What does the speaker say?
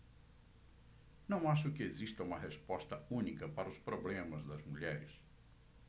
não acho que exista uma resposta única para os problemas das mulheres